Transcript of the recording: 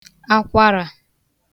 akwarà